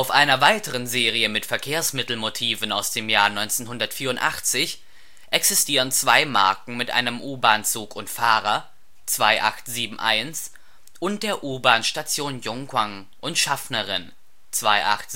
einer weiteren Serie mit Verkehrsmittel-Motiven aus dem Jahr 1984 existieren zwei Marken mit einem U-Bahn-Zug und Fahrer (2871) und der U-Bahn-Station Yŏnggwang und Schaffnerin (2872